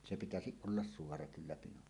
se pitäisi olla suora kyllä pinon